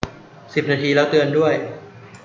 สิบนาทีแล้วเตือนด้วย